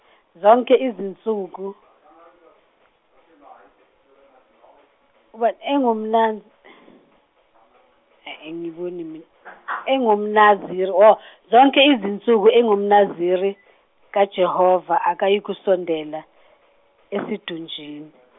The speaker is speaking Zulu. zonke izinsuku, ubani engumna- , ee angiboni mina engumNaziri oh, zonke izinsuku engumNaziri, ka Jehova, akayi kusondela esidunjini .